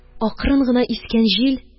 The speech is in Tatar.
Акрын гына искән җил